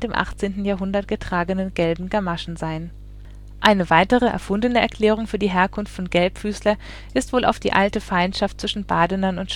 18. Jahrhundert getragenen gelben Gamaschen sein. Eine weitere, erfundene Erklärung für die Herkunft von Gelbfüßler ist wohl auf die alte Feindschaft zwischen Badenern